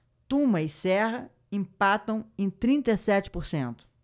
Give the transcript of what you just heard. tuma e serra empatam em trinta e sete por cento